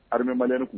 Hambariku